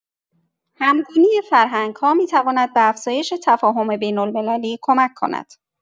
همگونی فرهنگ‌ها می‌تواند به افزایش تفاهم بین‌المللی کمک کند.